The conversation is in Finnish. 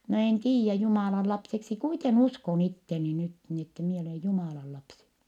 no en tiedä Jumalan lapseksi kuiten uskon itseni nyt niin että minä olen Jumalan lapsi